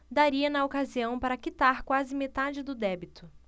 daria na ocasião para quitar quase metade do débito